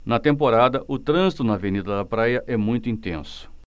na temporada o trânsito na avenida da praia é muito intenso